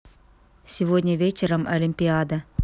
сегодня вечером олимпиада